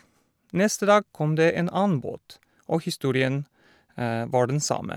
Neste dag kom det en annen båt, og historien var den samme.